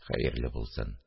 – хәерле булсын